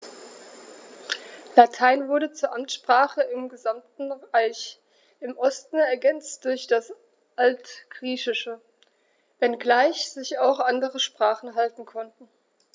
Latein wurde zur Amtssprache im gesamten Reich (im Osten ergänzt durch das Altgriechische), wenngleich sich auch andere Sprachen halten konnten.